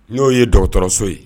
N y'o ye dɔgɔkun dɔgɔtɔrɔso ye